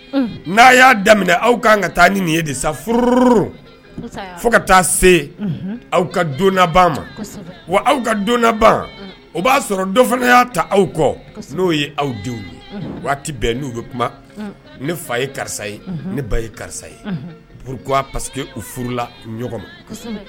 N'a y'a daminɛ aw ka kan ka taa ni nin ye de sa furu fo ka taa se aw ka donba ma wa aw ka don ban o b'a sɔrɔ dɔ fana y' ta aw kɔ n'o ye aw denw ye waati bɛn n' bɛ kuma ne fa ye karisa ye ne ba ye karisa ye b paseke u furula ɲɔgɔn ma